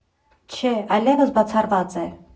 Չէ՛, այլևս բացառված է.